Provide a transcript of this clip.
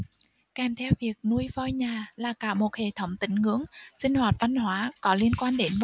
kèm theo việc nuôi voi nhà là cả một hệ thống tín ngưỡng sinh hoạt văn hóa có liên quan đến